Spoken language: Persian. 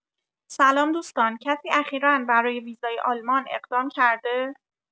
سلام دوستان کسی اخیرا برای ویزای آلمان اقدام کرده؟